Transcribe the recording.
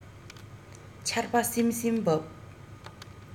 ཆར པ བསིམ བསིམ འབབས